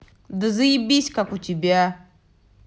да заебись как у тебя